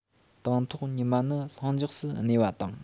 དང ཐོག ཉི མ ནི ལྷིང འཇགས སུ གནས པ དང